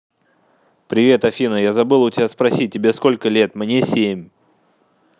привет афина я забыла у тебя спросить тебе сколько лет мне семь